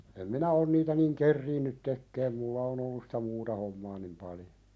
en minä ole niitä niin ehtinyt tekemään minulla on ollut sitä muuta hommaa niin paljon